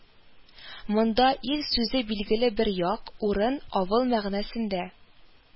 Монда "ил" сүзе билгеле бер як, урын, авыл мәгънәсендә